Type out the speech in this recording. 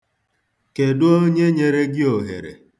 Kedụ onye nyere gị ohere?